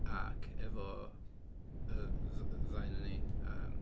Ac efo y dd- ddau ohona ni, yym...